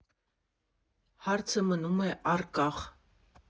Հարցը մնում է առկախ։